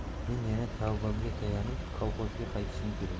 men yana tavbamga tayanib kolxozga qaytishim kerak